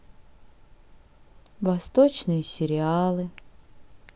восточные сериалы